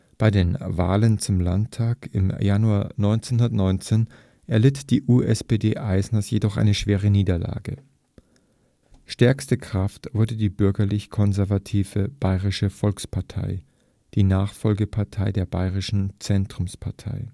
Bei Wahlen zum Landtag im Januar 1919 erlitt die USPD Eisners jedoch eine schwere Niederlage. Stärkste Kraft wurde die bürgerlich-konservative Bayerische Volkspartei, die Nachfolgepartei des Bayerischen Zentrums. Am